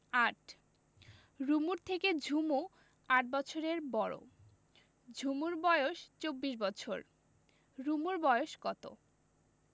৮ রুমুর থেকে ঝুমু ৮ বছরের বড় ঝুমুর বয়স ২৪ বছর রুমুর বয়স কত